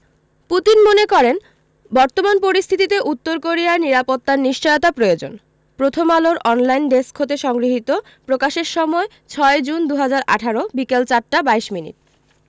Putin মনে করেন বর্তমান পরিস্থিতিতে উত্তর কোরিয়ার নিরাপত্তার নিশ্চয়তা প্রয়োজন প্রথমআলোর অনলাইন ডেস্ক হতে সংগৃহীত প্রকাশের সময় ৬জুন ২০১৮ বিকেল ৪টা ২২ মিনিট